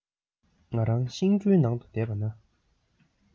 ང རང ཤིང གྲུའི ནང དུ བསྡད པ ན